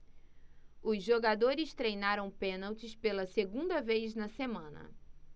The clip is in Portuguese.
os jogadores treinaram pênaltis pela segunda vez na semana